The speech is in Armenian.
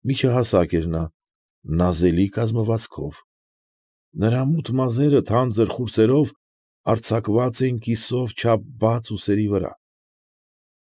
Միջահասակ էր նա, նազելի կազմվածքով, նրա մութ սև մազերը թանձր խուրձերով արձակված էին կիսով չափ բաց ուսերի վրա։